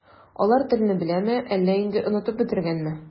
Алар телне беләме, әллә инде онытып бетергәнме?